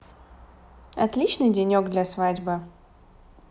отличный денек для свадьбы